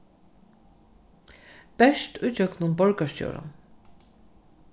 bert ígjøgnum borgarstjóran